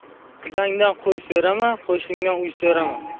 qudangdan qo'y so'rama qo'shningdan uy so'rama